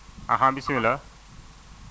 aha bisimilah